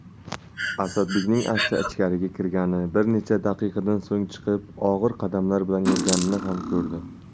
asadbekning asta ichkari kirgani bir necha daqiqadan so'ng chiqib og'ir qadamlar bilan yurganini ham ko'rdi